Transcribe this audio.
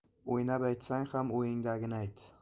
o'ynab aytsang ham o'yingdagini ayt